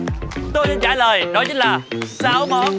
tôi xin trả lời đó chính là sáu món